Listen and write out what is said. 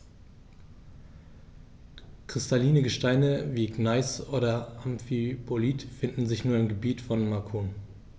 Kristalline Gesteine wie Gneis oder Amphibolit finden sich nur im Gebiet von Macun.